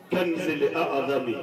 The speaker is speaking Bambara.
Jɔn de bɛ se de 1 à 20.000